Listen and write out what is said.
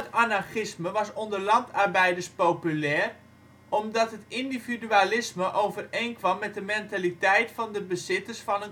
anarchisme was onder landarbeiders populair omdat het indvidualisme overeenkwam met de mentaliteit van de bezitters van